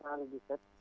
77